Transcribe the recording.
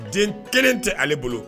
Den kelen tɛ ale bolo